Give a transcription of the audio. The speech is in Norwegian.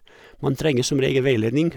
Man trenger som regel veiledning.